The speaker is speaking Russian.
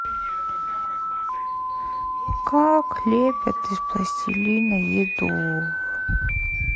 как лепят из пластилина еду